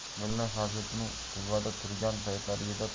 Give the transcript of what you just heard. mulla fazliddin quvada turgan